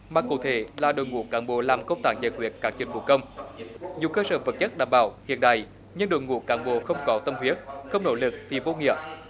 mà cụ thể là đội ngũ cán bộ làm công tác giải quyết các dịch vụ công dù cơ sở vật chất đảm bảo hiện đại nhưng đội ngũ cán bộ không có tâm huyết không nỗ lực thì vô nghĩa